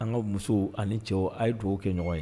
An ka musow ani ce a ye dugawu kɛ ɲɔgɔn ye